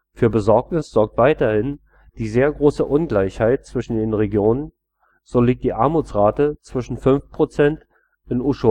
Für Besorgnis sorgt weiterhin die sehr große Ungleichheit zwischen den Regionen, so liegt die Armutsrate zwischen 5 % in Ushuaia